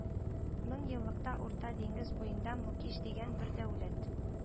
Мең еллыкта урта диңгез буенда мукиш дигән бер дәүләт